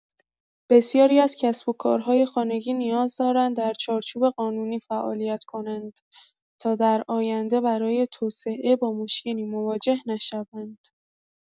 بسیاری از کسب‌وکارهای خانگی نیاز دارند در چارچوب قانونی فعالیت کنند تا در آینده برای توسعه با مشکلی مواجه نشوند.